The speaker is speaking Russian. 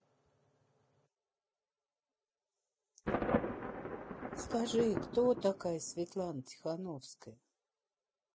скажи кто такая светлана тихановская